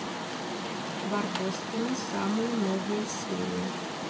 барбоскины самые новые серии